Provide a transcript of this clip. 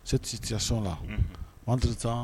Cette situation là ;Unhun ; entre temps